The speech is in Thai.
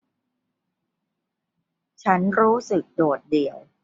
ฉันรู้สึกโดดเดี่ยว